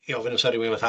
i ofyn fysa rywun fatha...